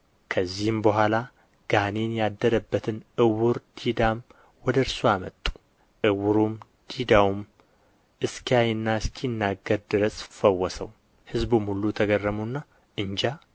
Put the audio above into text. ከዚህም በኋላ ጋኔን ያደረበትን ዕውር ዲዳም ወደ እርሱ አመጡ ዕውሩም ዲዳውም እስኪያይና እስኪናገር ድረስ ፈወሰው ሕዝቡም ሁሉ ተገረሙና እንጃ